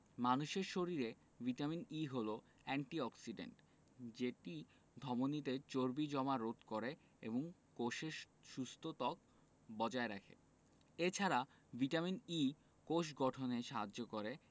মানুষের শরীরে vitamin E হলো এন্টি অক্সিডেন্ট যেটি ধমনিতে চর্বি জমা রোধ করে এবং কোষের সুস্থ ত্বক বজায় রাখে এ ছাড়া ভিটামিন E কোষ গঠনে সাহায্য করে